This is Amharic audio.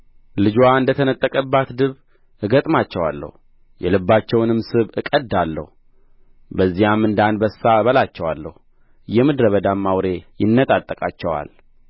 ልጅዋ እንደ ተነጠቀባት ድብ እገጥማቸዋለሁ የልባቸውንም ስብ እቀድዳለሁ በዚያም እንደ አንበሳ እበላቸዋለሁ የምድረ በዳም አውሬ ይነጣጠቃቸዋል